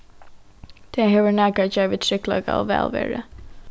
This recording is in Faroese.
tað hevur nakað at gera við tryggleika og vælveru